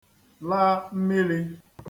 la mmilī